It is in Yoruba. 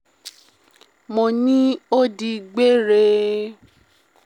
Mo ní ó digbére.